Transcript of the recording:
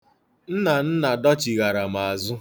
Nnanna dochighara m azụ.